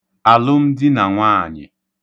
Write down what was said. àlụmdinànwaànyị̀